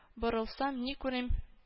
Борылсам, ни күрим